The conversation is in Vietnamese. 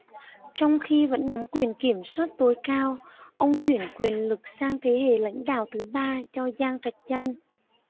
trong khi vẫn nắm quyền kiểm soát tối cao ông chuyển quyền lực sang thế hệ lãnh đạo thứ ba cho giang trạch dân